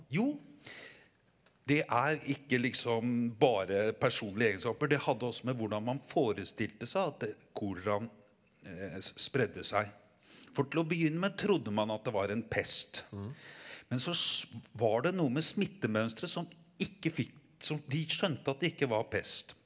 jo det er ikke liksom bare personlige egenskaper det hadde også med hvordan man forestilte seg at koleraen spredde seg, for til å begynne med trodde man at det var en pest, men så var det noe med smittemønsteret som ikke fikk som de skjønte at det ikke var pest.